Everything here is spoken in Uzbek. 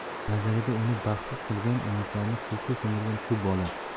nazarida uni baxtsiz qilgan umidlarini chil chil sindirgan shu bola